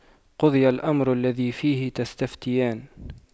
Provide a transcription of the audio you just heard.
قُضِيَ الأَمرُ الَّذِي فِيهِ تَستَفِتيَانِ